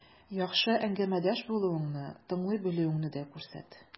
Яхшы әңгәмәдәш булуыңны, тыңлый белүеңне дә күрсәт.